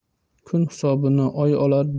kun hisobini oy olar